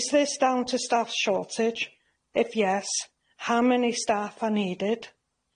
Is this down to staff shortage? If yes, how many staff are needed?